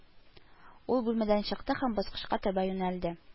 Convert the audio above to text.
Ул бүлмәдән чыкты һәм баскычка таба юнәлде